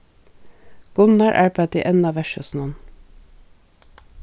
gunnar arbeiddi enn á vertshúsinum